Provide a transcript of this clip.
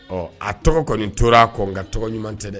Ɔ a tɔgɔ kɔnni tora kɔ nka tɔgɔ ɲuman tɛ dɛ